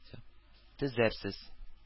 Төзәрсез